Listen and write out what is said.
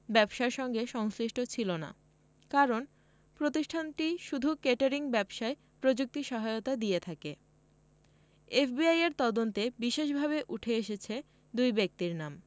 ব্যবসার সঙ্গে সংশ্লিষ্ট ছিল না কারণ প্রতিষ্ঠানটি শুধু কেটারিং ব্যবসায় প্রযুক্তি সহায়তা দিয়ে থাকে এফবিআইয়ের তদন্তে বিশেষভাবে উঠে এসেছে দুই ব্যক্তির নাম